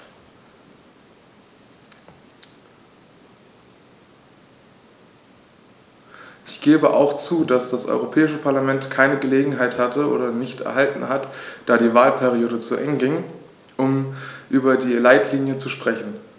Ich gebe auch zu, dass das Europäische Parlament keine Gelegenheit hatte - oder nicht erhalten hat, da die Wahlperiode zu Ende ging -, um über die Leitlinien zu sprechen.